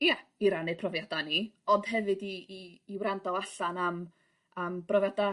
ia i rannu'n profiada' ni ond hefyd i i i wrando allan am am brofiada